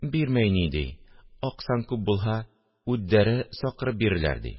Бирмәй ни, – ди, – аксаң күп булһа, үддәре сакырып бирерләр, – ди